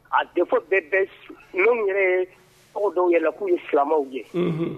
A défauts bɛɛ bɛ minnu yɛrɛ ye tɔgɔ da u yɛrɛ la k'u ye silamɛw ye, onhon.